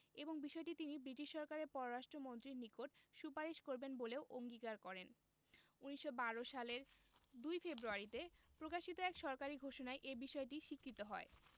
এবং বিষয়টি তিনি ব্রিটিশ সরকারের পররাষ্ট্র মন্ত্রীর নিকট সুপারিশ করবেন বলেও অঙ্গীকার করেন ১৯১২ সালের ২ ফেব্রুয়ারিতে প্রকাশিত এক সরকারি ঘোষণায় এ বিষয়টি স্বীকৃত হয়